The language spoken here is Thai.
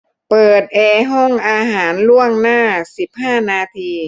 เปิดแอร์ห้องอาหารล่วงหน้าสิบห้านาที